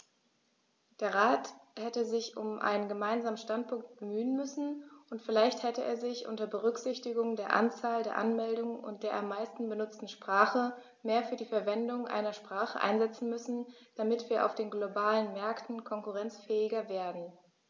Der Rat hätte sich um einen gemeinsamen Standpunkt bemühen müssen, und vielleicht hätte er sich, unter Berücksichtigung der Anzahl der Anmeldungen und der am meisten benutzten Sprache, mehr für die Verwendung einer Sprache einsetzen müssen, damit wir auf den globalen Märkten konkurrenzfähiger werden.